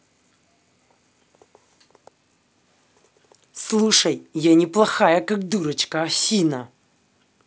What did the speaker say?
слушай я не плохая как дурочка афина